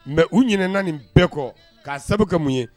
Mɛ u ɲin naani nin bɛɛ kɔ k'a sababu ka mun ye